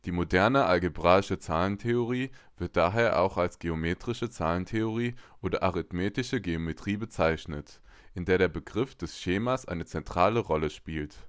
moderne algebraische Zahlentheorie wird daher auch als geometrische Zahlentheorie oder arithmetische Geometrie bezeichnet, in der der Begriff des Schemas eine zentrale Rolle spielt